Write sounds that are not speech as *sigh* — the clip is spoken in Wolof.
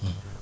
*hesitation* *hesitation*